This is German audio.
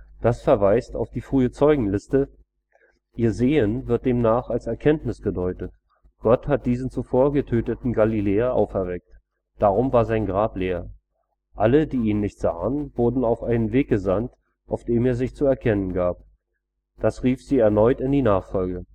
Das verweist auf die frühe Zeugenliste. Ihr „ Sehen “wird demnach als Erkenntnis gedeutet: Gott hat diesen zuvor getöteten Galiläer auferweckt. Darum war sein Grab leer. Alle, die ihn nicht sahen, wurden auf einen Weg gesandt, auf dem er sich zu erkennen gab: Das rief sie erneut in die Nachfolge